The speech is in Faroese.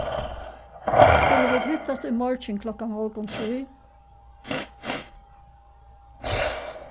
skulu vit hittast í morgin klokkan hálvgum trý